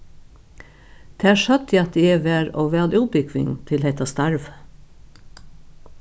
tær søgdu at eg var ov væl útbúgvin til hetta starvið